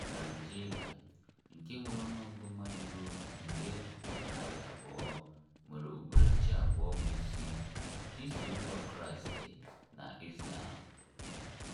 Naịjiria, nke nwere ọnụọgụgụ mmadụ ruru nde 200, nwere okpukperechi abụọ bụ isi: Iso Ụzọ Kraịstị na Izlam.